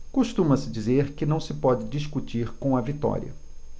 costuma-se dizer que não se pode discutir com a vitória